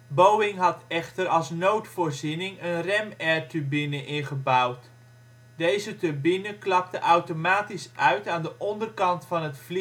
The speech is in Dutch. Boeing had echter als noodvoorziening een ram air turbine ingebouwd. Deze turbine klapte automatisch uit aan de onderkant van het